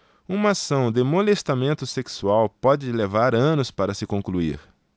uma ação de molestamento sexual pode levar anos para se concluir